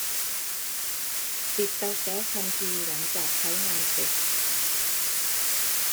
ปิดเตาแก๊สทันทีหลังจากใช้งานเสร็จ